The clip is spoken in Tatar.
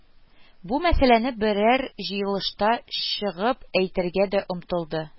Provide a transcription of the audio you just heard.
Бу мәсьәләне берәр җыелышта чыгып әйтергә дә омтылды